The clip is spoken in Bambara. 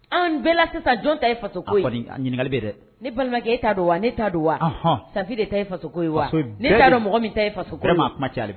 Aa nin bɛɛ la sisan jɔn ta ye faso ko ye a kɔni ɲininkali bɛ ye dɛ ne balimakɛ e ta do wa ne ta do wa Safi de ta ye faso ko ye wa ni mɔgɔ min ta ye faso ko ye vraiment a kuma cayalen bɛ.